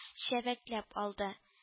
Чәбәкләп алды